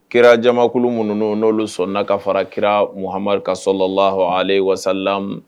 Kira jakulu minnuunu n'olu sɔnnana ka fara kira muhamadu ka so la ale wasa